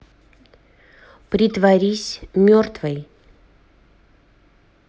притворись мертвой